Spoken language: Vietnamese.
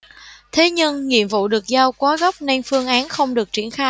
thế nhưng nhiệm vụ được giao quá gấp nên phương án không được triển khai